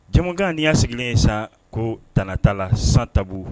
Jamukan ni y'a sigilen ye sa ko tanatala san ta